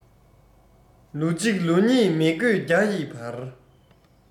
ལོ གཅིག ལོ གཉིས མི དགོས བརྒྱ ཡི བར